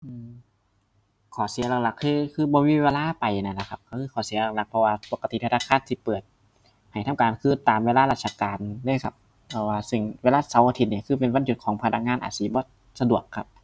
อืม ข้อเสียหลักหลักคือ คือบ่มีเวลาไปนั่นล่ะครับ ก็คือข้อเสียหลักหลัก เพราะว่าปกติธนาคารสิเปิดให้ทำการคือตามเวลาราชการเลยครับ เอาว่าซึ่งเวลาเสาร์อาทิตย์นี่คือเป็นวันหยุดของพนักงานอาจสิบ่สะดวกครับ